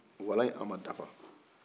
walan in a ma dafa